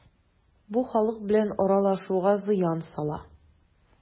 Бу халык белән аралашуга зыян сала.